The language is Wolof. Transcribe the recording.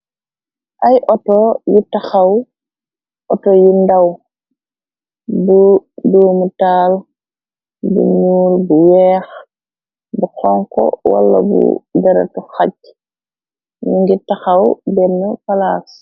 Ay auto yu taxaw auto yi ndaw bu duumu taal bu nuul bu weex bu xonko wala bu deratu xaj yu ngir taxaw denn palaas.